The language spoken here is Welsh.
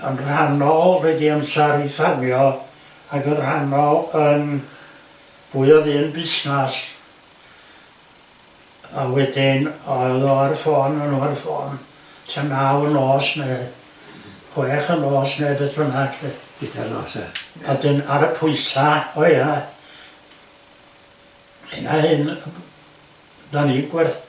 yn rhannol reid i amsar i ffarnio ac yn rhannol yn fwy o ddyn busnas a wedyn oedd o ar y ffôn, odda n'w ar y ffôn tua naw yn nos neu chwech y nos neu be bynnag 'lly... gyda'r nôs ia... a wedyn ar y pwysa... o ia... hyn a hyn dan ni'n gwerth-.